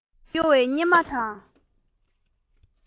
རླུང བུས གཡོ བའི སྙེ མ དང